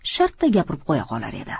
shartta gapirib qo'ya qolar edi